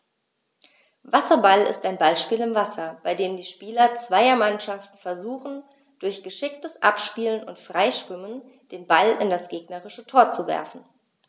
Wasserball ist ein Ballspiel im Wasser, bei dem die Spieler zweier Mannschaften versuchen, durch geschicktes Abspielen und Freischwimmen den Ball in das gegnerische Tor zu werfen.